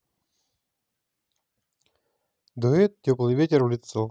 дует теплый ветер в лицо